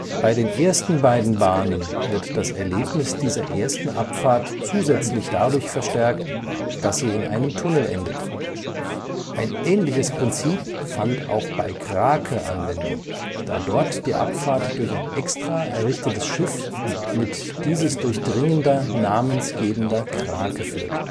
Bei den ersten beiden Bahnen wird das Erlebnis dieser ersten Abfahrt zusätzlich dadurch verstärkt, das sie in einem Tunnel endet. Ein ähnliches Prinzip fand auch bei Krake Anwendung, da dort die Abfahrt durch ein extra errichtetes Schiff mit es durchdringender namensgebender Krake führt